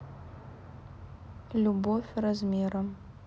любовь размером